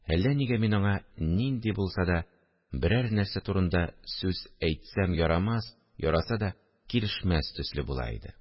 Әллә нигә мин аңа нинди булса да берәр нәрсә турында сүз әйтсәм ярамас, яраса да килешмәс төсле була иде